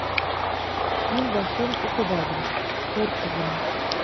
Мин башын укып алдым: “Хур кызына”.